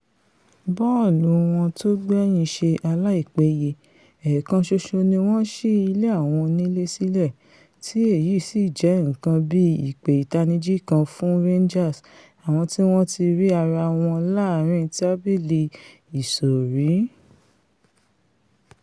Bọ́ọ̀lù wọn tó gbẹ̀yìn ṣe aláìpéye - ẹ̀ẹ̀kan ṣoṣo ni wọ́n sí ilé awọn onílé sílẹ̀ - tí èyí sì jẹ nǹkan bíi ìpè ìtanijí kan fún Rangers, àwọn tí wọn ti rí ara wọn láàrin tábìlì ìṣòrí.